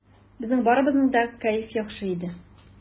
Безнең барыбызның да кәеф яхшы иде.